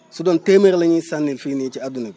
su doon téeméer la ñuy sànnilfii nii ci adduna bi